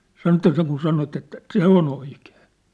sanoi että sen kuin sanot että se on oikein